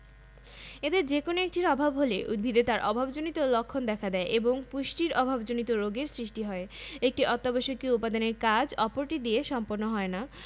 এদের যেকোনো একটির অভাব হলে উদ্ভিদে তার অভাবজনিত লক্ষণ দেখা দেয় এবং পুষ্টির অভাবজনিত রোগের সৃষ্টি হয় একটি অত্যাবশ্যকীয় উপাদানের কাজ অপরটি দিয়ে সম্পন্ন হয় না